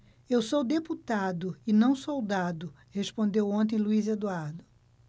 eu sou deputado e não soldado respondeu ontem luís eduardo